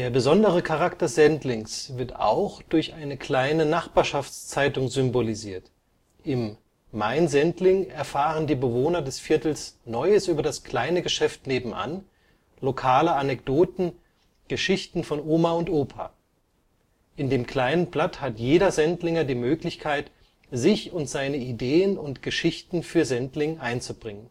besondere Charakter Sendlings wird auch durch eine kleine Nachbarschaftszeitung symbolisiert. Im „ Mein Sendling “erfahren die Bewohner des Viertels Neues über das kleine Geschäft nebenan, lokale Anekdoten, Geschichten von Oma und Opa. In dem kleinen Blatt hat jeder Sendlinger die Möglichkeit, sich und seine Ideen und Geschichten für Sendling einzubringen